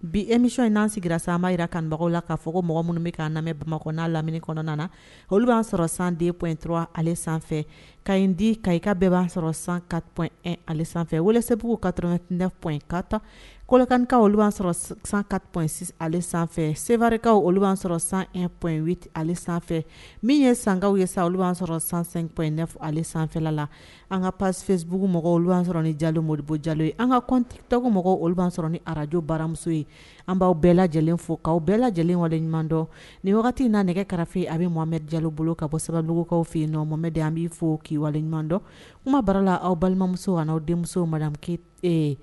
Bi emiy in an sigira san ma jira kabagaw la ka fɔ mɔgɔ minnu bɛ kaa lamɛnmɛ bamakɔkna lamini kɔnɔna na olu b'an sɔrɔ sandenp dɔrɔn ale sanfɛ ka ɲi di ka ika bɛɛ b'a sɔrɔ san kap sanfɛ walasa sebugu ka ttip ka tan kɔkankaw olu b'a sɔrɔ sankapsi ale sanfɛ serikaw olu b'a sɔrɔ sanpye ale sanfɛ min ye sankaw ye sa olu b'an sɔrɔ san sanpye sanfɛfɛ la an ka pasfɛbugu mɔgɔ olu' sɔrɔ jalomo bɔ jalo ye an ka kɔntetgomɔgɔ olu b'a sɔrɔ ni ararajo baramuso ye an b'aw bɛɛ lajɛlen fo'aw bɛɛ lajɛlenwaleɲuman ni wagati'a nɛgɛ karife a bɛ mo ja bolo ka bɔ sababu dɔgɔkunkaw fɛ yen n nɔ mɔnmɛ de an b bɛ fɔ k'waleɲumandɔn kuma baara la aw balimamuso ani aw denmuso make